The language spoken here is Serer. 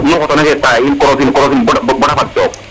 nu xotona tailler in korosin korosin bata fad took